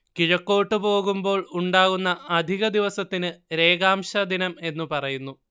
കിഴക്കോട്ടു പോകുമ്പോൾ ഉണ്ടാകുന്ന അധികദിവസത്തിന് രേഖാംശദിനം എന്നു പറയുന്നു